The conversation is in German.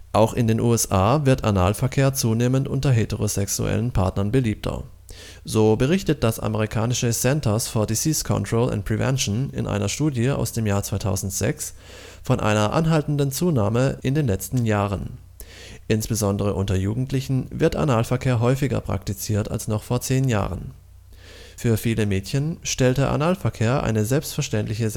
Auch in den USA wird Analverkehr zunehmend unter heterosexuellen Partnern beliebter. So berichtet das amerikanische Centers for Disease Control and Prevention in einer Studie aus dem Jahr 2006 von einer anhaltenden Zunahme in den letzten Jahren. Insbesondere unter Jugendlichen wird Analverkehr häufiger praktiziert als noch vor zehn Jahren. Für viele Mädchen stellte Analverkehr eine selbstverständliche